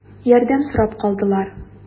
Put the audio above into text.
Ярдәм сорап калдылар.